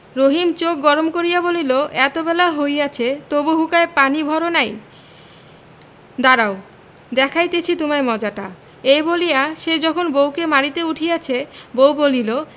রহিম চোখ গরম করিয়া বলিল এত বেলা হইয়াছে তবু হুঁকায় পানির ভর নাই দাঁড়াও দেখাইতেছি তোমায় মজাটা এই বলিয়া সে যখন বউকে মারিতে উঠিয়াছে বউ বলিল